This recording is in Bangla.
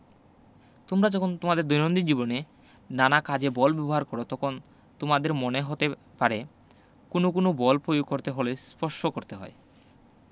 তোমরা যখন তোমাদের দৈনন্দিন জীবনে নানা কাজে বল ব্যবহার করো তখন তোমাদের মনে হতে পারে কোনো কোনো বল পয়োগ করতে হলে স্পর্শ করতে হয়